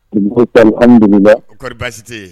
Buguba kari baasi tɛ yen